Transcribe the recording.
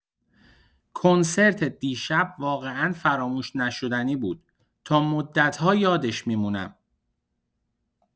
کنسرت دیشب واقعا فراموش‌نشدنی بود، تا مدت‌ها یادش می‌مونم.